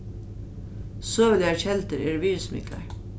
søguligar keldur eru virðismiklar